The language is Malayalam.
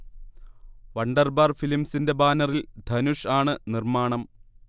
വണ്ടർബാർ ഫിലിംസിൻെ്റ ബാനറിൽ ധനുഷ് ആണ് നിർമ്മാണം